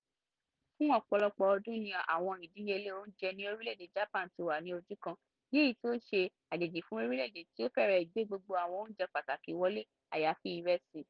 Fún ọ̀pọ̀lọpọ̀ ọdún ni àwọn ìdíyelé oúnjẹ ní orílẹ̀-èdè Japan ti wà ní ojúkan, ní èyí tí í ṣe àjèjì fún orílẹ̀-èdè tí ó fèrẹ́ gbé gbogbo àwọn oúnjẹ pàtàkì wọlé àyàfi ìrẹsì.